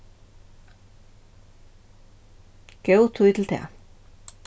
góð tíð til tað